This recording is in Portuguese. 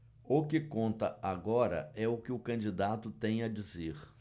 o que conta agora é o que o candidato tem a dizer